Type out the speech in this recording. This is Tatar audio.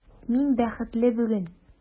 Мин бәхетле бүген!